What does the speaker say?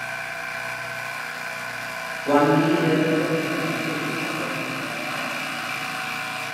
วันนี้เดินเยอะไปหน่อยเจ็บเข่าไปหมดแล้ว